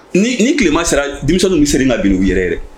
Ni ni tilema sera denmisɛnw bɛ se ka bin u yɛrɛ dɛ